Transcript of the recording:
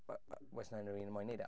o- o- oes 'na unrhywun moyn wneud e?